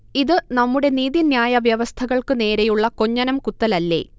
ഇത് നമ്മുടെ നീതിന്യായ വ്യവസ്ഥകൾക്ക് നേരെയുള്ള കൊഞ്ഞനം കുത്തലല്ലേ